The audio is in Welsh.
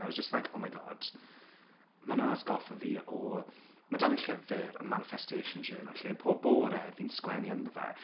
And I was just like, oh my god, ma' hwnna'n atgoffa fi o, ma' 'da fi llyfr Manifestation Journal, lle pob bore fi'n sgwennu ynddo fe.